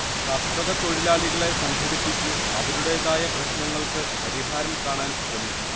കർഷകതൊഴിലാളികളെ സംഘടിപ്പിച്ചു അവരുടേതായ പ്രശ്നങ്ങൾക്ക് പരിഹാരം കാണാൻ ശ്രമിച്ചു